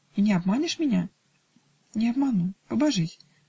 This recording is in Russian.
-- "И ты не обманешь меня?" -- "Не обману". -- "Побожись".